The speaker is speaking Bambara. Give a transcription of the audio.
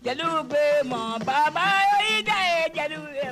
Jeliw bɛ mɔgɔ baba ye tɛ ye jeliw ye